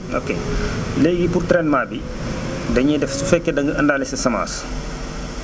ok léegi pour traitement bi dañiy def su fekkee da nga indaale sa semence